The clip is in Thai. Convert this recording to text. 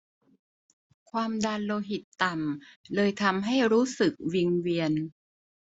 ความดันโลหิตต่ำเลยทำให้รู้สึกวิงเวียน